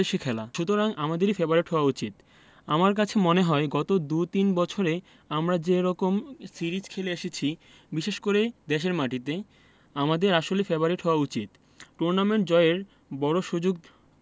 সুতরাং আমাদেরই ফেবারিট হওয়া উচিত আমার কাছে মনে হয় গত দু তিন বছরে আমরা যে রকম সিরিজ খেলে এসেছি বিশেষ করে দেশের মাটিতে আমাদের আসলে ফেবারিট হওয়া উচিত টুর্নামেন্ট জয়ের বড় সুযোগ